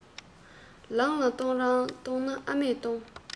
ལང ལ གཏོང རང གཏོང ན ཨ མས གཏོང